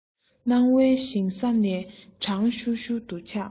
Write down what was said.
སྣང བའི ཞིང ས ནས གྲང ཤུར ཤུར དུ ཆག